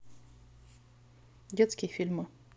детские фильмы